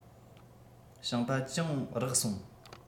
ཞིང པ གྱོང རག སོང